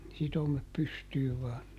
sitomet pystyyn vain